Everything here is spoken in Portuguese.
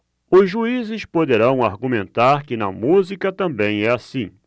os juízes poderão argumentar que na música também é assim